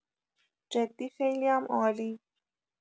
جدی خیلی‌ام عالی